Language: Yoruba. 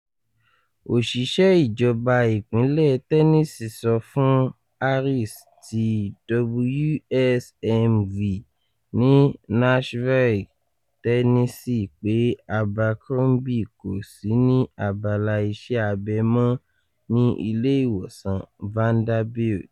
Òṣìṣẹ́ ìjọba láti ìpínlẹ̀ Tennessee sọ fún Harris ti WSMV ni Nashville, Tennessee, pé Abercrombie kò sí ní abala iṣẹ́ abẹ́ mọ́ ní Ilé Ìwòsàn Vanderbilt.